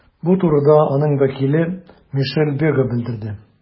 Бу турыда аның вәкиле Мишель Бега белдерде.